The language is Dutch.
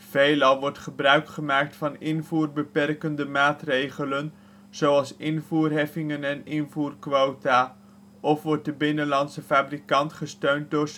Veelal wordt gebruik gemaakt van invoerbeperkende maatregelen, zoals invoerheffingen en invoerquota, of wordt de binnenlandse fabrikant gesteund door